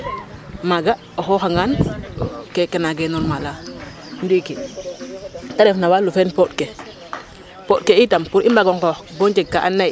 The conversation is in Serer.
Maaga o xooxangan keke nangee normal a ndiki te ref no walum fe pooƭ ke pooƭ ke itam pour i mbaag o nqoox bo njeg ka andoona yee i mbaaga njeg ñaamaa teen pour njikoox teen ka jafeñ xar taxun ?